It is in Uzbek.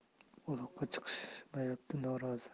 uloqqa chiqishimdan norozi